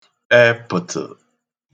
ẹpə̣̀tə̣̀